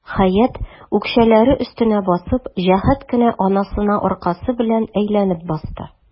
Хәят, үкчәләре өстенә басып, җәһәт кенә анасына аркасы белән әйләнеп басты.